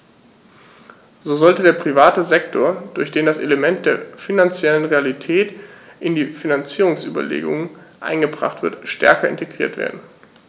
So sollte der private Sektor, durch den das Element der finanziellen Realität in die Finanzierungsüberlegungen eingebracht wird, stärker integriert werden.